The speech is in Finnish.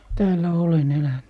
täällä olen elänyt